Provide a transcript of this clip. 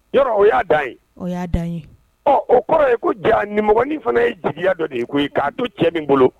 Yɔrɔ o y'a da ye o y'a da ye ɔ o kɔrɔ ye ko ja nimɔgɔin fana ye jigiya dɔ de ye koyi'a to cɛ min bolo